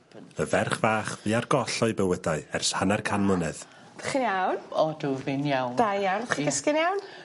...y ferch fach fu ar goll o'u bywydau ers hanner can mlynedd. Chi'n iawn? Odw fi'n iawn. Da iawn. Chi cysgu'n iawn?